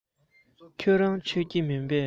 ཁྱོད རང མཆོད ཀྱི མིན པས